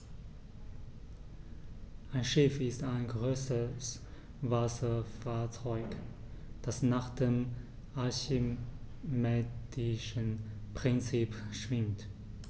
Ein Schiff ist ein größeres Wasserfahrzeug, das nach dem archimedischen Prinzip schwimmt.